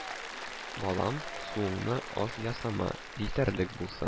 – балам, суыңны аз ясама, җитәрлек булсын